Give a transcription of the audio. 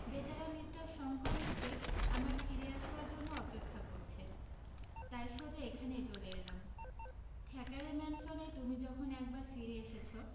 বেচারা মিষ্টার শংকর নিশ্চয় আমার ফিরে আসবার জন্য অপেক্ষা করছে তাই সোজা এখানেই চলে এলাম থ্যাকারে ম্যানসনে তুমি যখন একবার ফিরে এসেছো